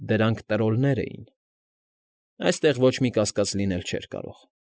Դրանք տրոլներ էին։ Այստեղ ոչ մի կասկած լինել չէր կարող։